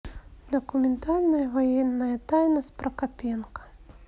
документальная военная тайна с прокопенко